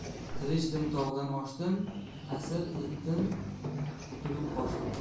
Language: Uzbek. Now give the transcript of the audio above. tirishdim tog'dan oshdim asir edim qutulib qochdim